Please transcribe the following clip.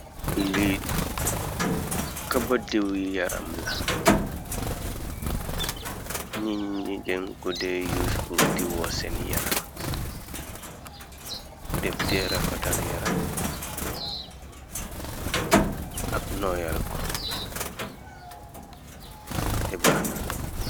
Lii kaba dewyi yaram la ñiñ nigen ko de yus bur diwoo seen yaram def deera fatal yaram ak nooyalko te baaxnaloo.